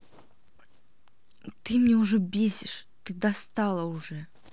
ты меня уже бесишь ты достала уже